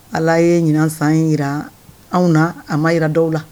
Ala ye ɲin san jira anw na a ma yi jira da la